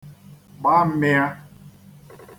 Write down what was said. gbà mmịa